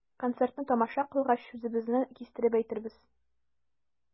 Концертны тамаша кылгач, сүзебезне кистереп әйтербез.